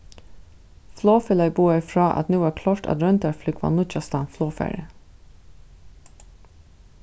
flogfelagið boðaði frá at nú var klárt at royndarflúgva nýggjasta flogfarið